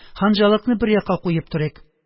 Ханжалыкны бер якка куеп торыйк.